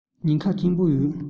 ཉེན ཁ ཆེན པོ ཡོད